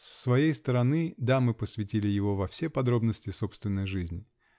С своей стороны дамы посвятили его во все подробности собственной жизни.